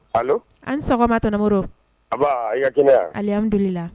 Allo a' ni sɔgɔma tonton Modibo, anba, i ka kɛnɛ wa, alihamudulilayi